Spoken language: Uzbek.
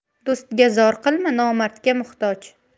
do'stga zor qilma nomardga muhtoj